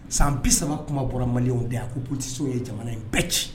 San bi saba kuma bɔra maliw de a ko bonsiw ye jamana in bɛɛ ci